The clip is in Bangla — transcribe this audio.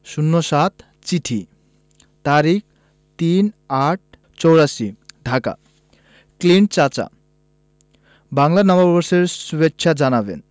০৭ চিঠি তারিখ ৩ ৮ ৮৪ ঢাকা ক্লিন্ট চাচা বাংলা নববর্ষের সুভেচ্ছা জানাবেন